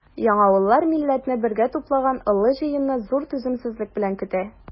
Яңавыллар милләтне бергә туплаган олы җыенны зур түземсезлек белән көтә.